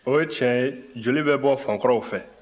o ye tiɲɛ ye joli bɛ bɔ fɔnkɔrɔw fɛ